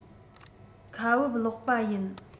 ཁ བུབ སློག པ ཡིན